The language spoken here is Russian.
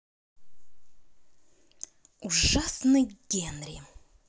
ужасный генри